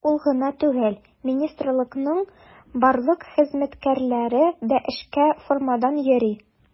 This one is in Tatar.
Ул гына түгел, министрлыкның барлык хезмәткәрләре дә эшкә формадан йөри.